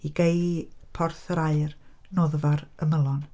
I gei Porth yr Aur, noddfa'r ymylon.